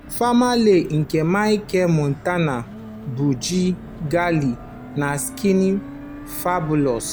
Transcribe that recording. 3. "Famalay" nke Machel Montana, Bunji Garlin na Skinny Fabulous